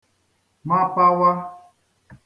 mapawa